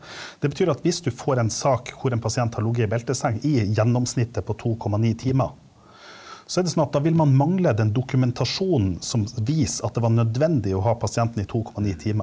det betyr at hvis du får en sak hvor en pasient har ligget i belteseng i gjennomsnittet på 2,9 timer, så er det sånn at da vil man mangle den dokumentasjonen som viser at det var nødvendig å ha pasienten i 2,9 timer.